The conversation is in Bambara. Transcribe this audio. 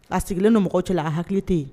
A sigilen don mɔgɔ cɛla la a hakili tɛ yen